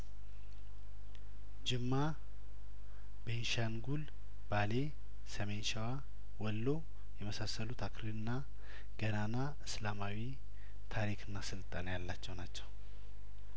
ጅማ ቤንሻንጉል ባሌ ሰሜን ሸዋ ወሎ የመሳሰሉት አኩሪና ገናና እስላማዊ ታሪክና ስልጣኔ ያላቸው ናቸው